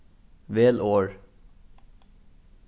vel orð